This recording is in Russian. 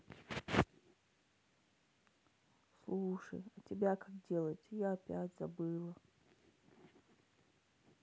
слушай а тебя как делать я опять забыла